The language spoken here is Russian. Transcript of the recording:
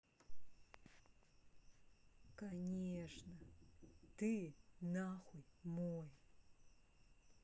конечно ты нахуй мой